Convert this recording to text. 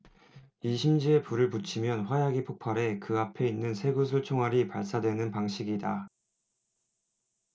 이 심지에 불을 붙이면 화약이 폭발해 그 앞에 있는 쇠구슬 총알이 발사되는 방식이다